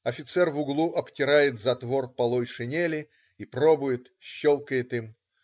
Офицер в углу обтирает затвор полой шинели и пробует, щелкает им.